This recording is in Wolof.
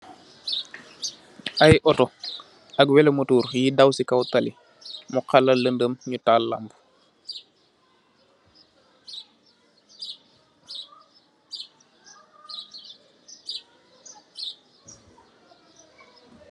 Aiiy autor ak wehlor mohtoree yii daw cii kaw tali, mu khala leundeum nju taal lampu.